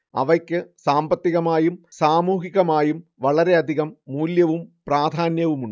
അവയ്ക്ക് സാമ്പത്തികമായും സാമൂഹികമായും വളരെയധികം മൂല്യവും പ്രാധാന്യവുമുണ്ട്